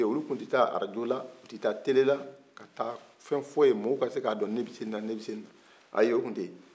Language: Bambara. olu kunte taa rajola u te taa telela ka taa fɛn fɔ ye mɔw k'a dɔn k'a fɔ ko nebesenila nebesenila aye o kun te ye